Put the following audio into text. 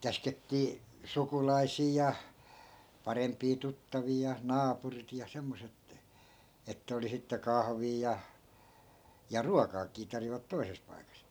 käskettiin sukulaisia ja parempia tuttavia ja naapurit ja semmoiset että että oli sitten kahvia ja ja ruokaakin tarjosivat toisessa paikassa